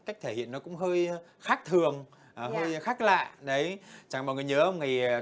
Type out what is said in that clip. cách thể hiện nó cũng hơi khác thường hơi khác lạ đấy chẳng mọi người nhớ ngày